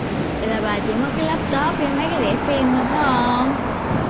dậy là bà chỉ mất cái láp tốp với mấy cái đĩa phim thôi phải hông